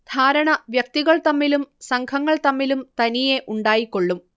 ധാരണ വ്യക്തികൾ തമ്മിലും സംഘങ്ങൾ തമ്മിലും തനിയേ ഉണ്ടായിക്കൊള്ളും